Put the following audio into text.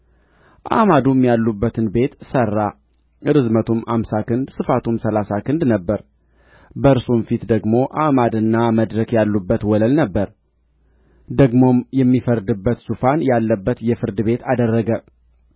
አዕማዱም ያሉበቱን ቤት ሠራ ርዝመቱም አምሳ ክንድ ስፋቱም ሠላሳ ክንድ ነበረ በእርሱም ፊት ደግሞ አዕማድና መድረክ ያሉበት ወለል ነበረ ደግሞም የሚፈርድበት ዙፋን ያለበትን የፍርድ ቤት አደረገ